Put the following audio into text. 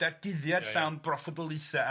datguddiad llawn broffoldaethe ia ia.